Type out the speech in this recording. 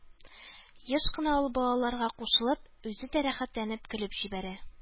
Еш кына ул, балаларга кушылып, үзе дә рәхәтләнеп көлеп җибәрә.